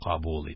Кабул итте.